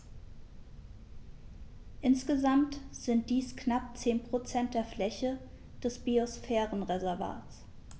Insgesamt sind dies knapp 10 % der Fläche des Biosphärenreservates.